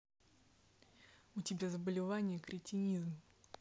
у тебя заболевание кретинизм